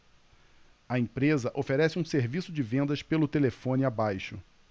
a empresa oferece um serviço de vendas pelo telefone abaixo